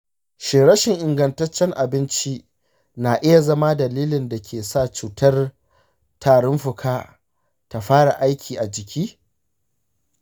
shin rashin ingantaccen abinci na iya zama dalilin da ke sa cutar tarin fuka ta fara aiki a jiki?